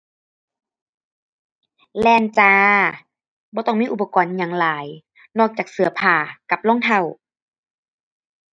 แล่นจ้า บ่ต้องมีอุปกรณ์อิหยังหลาย นอกจากเสื้อผ้ากับรองเท้า